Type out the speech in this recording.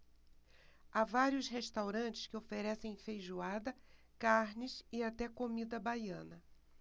há vários restaurantes que oferecem feijoada carnes e até comida baiana